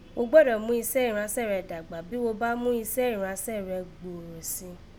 Wo gbọ́dọ̀ mú isẹ́ ìránṣẹ́ rẹ dàgbà, bí wo bá mú isẹ́ ìránṣẹ́ rẹ gbòòrò si